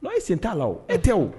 Non i sen t'a la o, e tɛ o